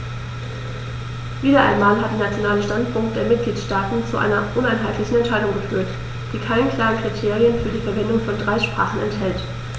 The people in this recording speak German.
Wieder einmal hat der nationale Standpunkt der Mitgliedsstaaten zu einer uneinheitlichen Entscheidung geführt, die keine klaren Kriterien für die Verwendung von drei Sprachen enthält.